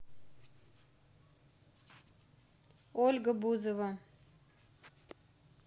ольга бузова